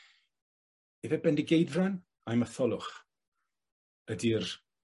Yfe Bendigeidfran ai Matholwch ydi'r